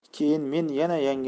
keyin men yana